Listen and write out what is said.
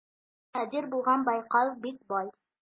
Чал баһадир булган Байкал бик бай.